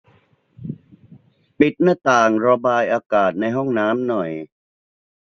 ปิดหน้าต่างระบายอากาศในห้องน้ำหน่อย